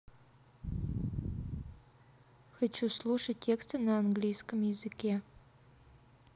хочу слушать тексты на английском языке